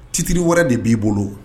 Citiriri wɛrɛ de b'i bolo